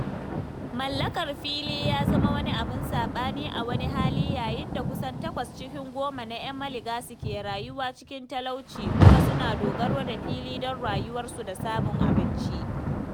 Mallakar fili ya zama wani abun saɓani a wani hali yayin da kusan takwas cikin goma na ‘yan Malagasy ke rayuwa cikin talauci kuma suna dogaro da fili don rayuwarsu da samun abinci.